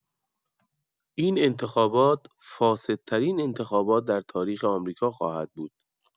این انتخابات فاسدترین انتخابات در تاریخ آمریکا خواهد بود.